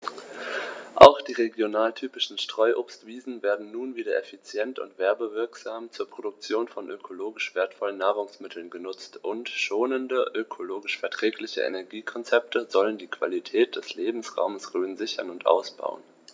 Auch die regionaltypischen Streuobstwiesen werden nun wieder effizient und werbewirksam zur Produktion von ökologisch wertvollen Nahrungsmitteln genutzt, und schonende, ökologisch verträgliche Energiekonzepte sollen die Qualität des Lebensraumes Rhön sichern und ausbauen.